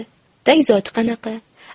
tag zoti qanaqa